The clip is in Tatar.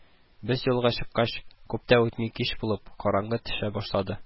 Без юлга чыккач, күп тә үтми кич булып, караңгы төшә башлады